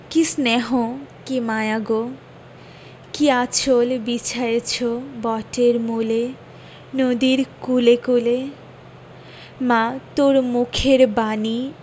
কী স্নেহ কী মায়া গো কী আঁচল বিছায়েছ বটের মূলে নদীর কূলে কূলে মা তোর মুখের বাণী